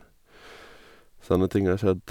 Sånne ting har skjedd...